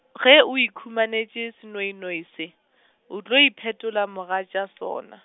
ge o ikhumanetše senoinoi se, o tlo iphetola mogatša sona.